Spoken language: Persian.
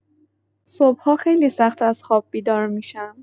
صبح‌ها خیلی سخت از خواب بیدار می‌شم.